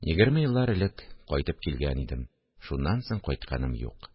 – егерме еллар элек кайтып килгән идем, шуннан соң кайтканым юк